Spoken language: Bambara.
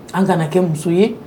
An kana kɛ muso ye